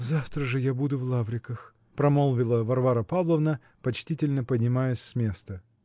-- Завтра же я буду в Лавриках, -- промолвила Варвара Павловна, почтительно поднимаясь с места.